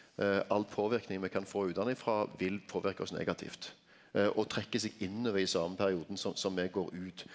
all påverking me kan få utanifrå vil påverke oss negativt og trekk seg inn over i same perioda som som me går ut.